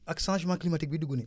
ak changement climatique bi dugg nii